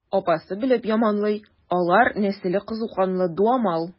Апасы белеп яманлый: алар нәселе кызу канлы, дуамал.